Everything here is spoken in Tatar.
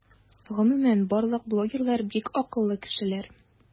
Гомумән барлык блогерлар - бик акыллы кешеләр.